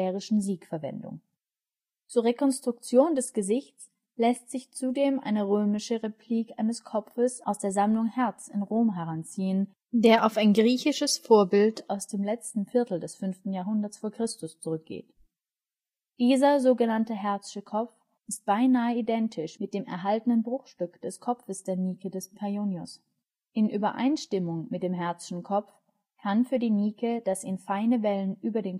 Zur Rekonstruktion des Gesichtes lässt sich zudem eine römische Replik eines Kopfes aus der Sammlung Hertz in Rom heranziehen, der auf ein griechisches Vorbild aus dem letzten Viertel des 5. Jh. v. Chr. zurückgeht. Dieser so genannte Hertzsche Kopf ist beinahe identisch mit dem erhaltenen Bruchstück des Kopfes der Nike des Paionios. In Übereinstimmung mit dem Hertzschen Kopf kann für die Nike das in feinen Wellen über den Kopf gelegte Haupthaar mit